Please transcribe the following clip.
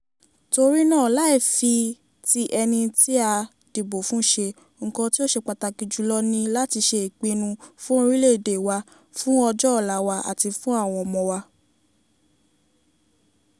Torí náà láì fi ti ẹni tí a dìbò fún ṣe, nǹkan tí ó ṣe pàtàkì jùlọ ni láti ṣe ìpinnu fún orílẹ̀-èdè wa, fún ọjọ́-ọ̀la wa àti fún àwọn ọmọ wa.